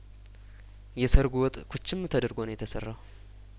የሰርጉ ወጥ ኩችም ተደርጐ ነው የተሰራው